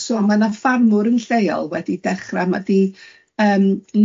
a so ma' 'na ffarmwr yn lleol wedi dechra, ma' di yym